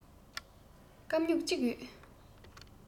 སྐམ སྨྱུག གཅིག ཡོད